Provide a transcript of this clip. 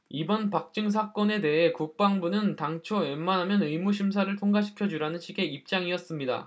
이번 박 중사 건에 대해 국방부는 당초 웬만하면 의무심사를 통과시켜 주라는 식의 입장이었습니다